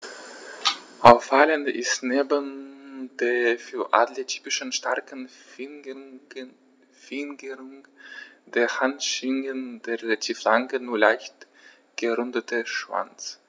Auffallend ist neben der für Adler typischen starken Fingerung der Handschwingen der relativ lange, nur leicht gerundete Schwanz.